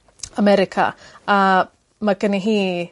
America a ma' gynni hi